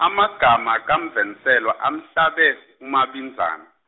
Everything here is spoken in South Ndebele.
amagama kaMvenselwa amhlabe, uMabinzana.